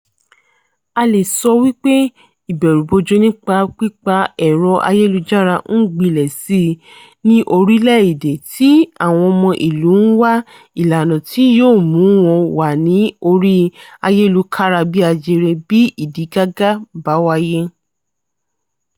A lè sọ wípé ìbẹ̀rùbojo nípa pípa ẹ̀rọ-ayélujára ń gbilẹ̀ sí i ní orílẹ̀-èdè tí àwọn ọmọ-ìlú ń wá ìlànà tí yóò mú wọn wà ní orí ayélukára-bí-ajere bí ìdígàgá bá wáyé.